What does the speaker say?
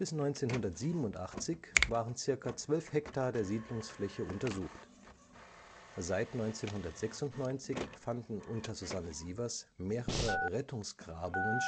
1987 waren ca. 12 Hektar der Siedlungsfläche untersucht. Seit 1996 fanden unter Susanne Sievers mehrere Rettungsgrabungen